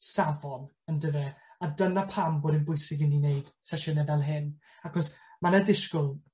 safon on'd yfe? A dyna pam bod e'n bwysig i ni neud sesiyne fel hyn achos ma' 'na disgwl